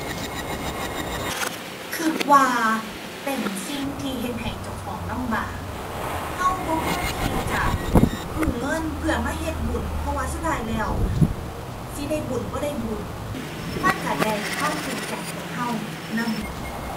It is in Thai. คิดว่าเป็นสิ่งที่เฮ็ดให้เจ้าของลำบาก คิดบ่ควรที่จะกู้เงินเพื่อมาเฮ็ดบุญ เพราะว่าสุดท้ายแล้วสิได้บุญ บ่ได้บุญมันคิดได้ความทุกข์ใจ